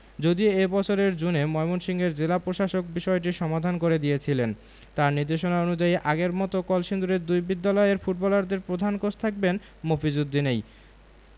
যদিও এ বছরের জুনে ময়মনসিংহের জেলা প্রশাসক বিষয়টির সমাধান করে দিয়েছিলেন তাঁর নির্দেশনা অনুযায়ী আগের মতো কলসিন্দুরের দুই বিদ্যালয়ের ফুটবলারদের প্রধান কোচ থাকবেন মফিজ উদ্দিনই